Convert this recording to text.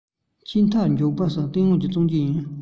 ཆེས མཐའ མཇུག བར ཏུང ཅིན ལ བཙོང རྒྱུ ཡིན